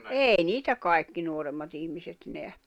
ei niitä kaikki nuoremmat ihmiset näe